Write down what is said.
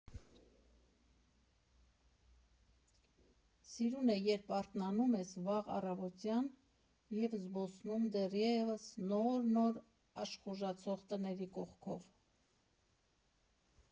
Սիրուն է, երբ արթնանում ես վաղ առավոտյան և զբոսնում դեռևս նոր֊նոր աշխուժացող տների կողքով։